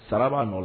Sara' nɔ